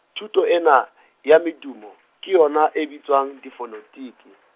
thuto ena, ya medumo, ke yona e bitswang difonetiki.